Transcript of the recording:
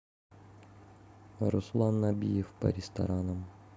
руслан набиев по ресторанам